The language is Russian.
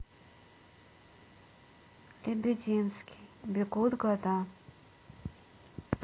лебединский бегут года